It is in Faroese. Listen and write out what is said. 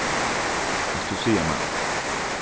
kanst tú siga mær okkurt